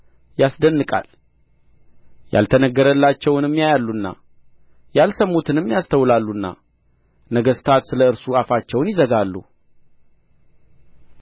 ያስደንቃል ያልተነገረላቸውንም ያያሉና ያልሰሙትንም ያስተውላሉና ነገሥታት ስለ እርሱ አፋቸውን ይዘጋሉ